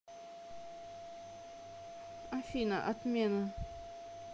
афина отмена